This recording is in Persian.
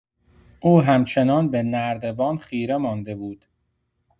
او همچنان به نردبان خیره مانده بود.